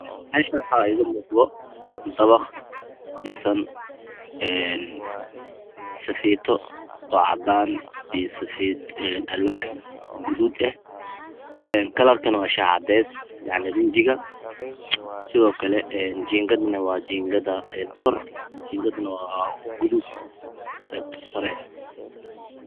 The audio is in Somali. Meshan waxa iigamuqada dabaqdhisan safito ocadan iyo Alwax gadud eh kalarka na waashaxcades yacni rinjiga sidokale jigadna waa jingad a kore waagadud qebtasare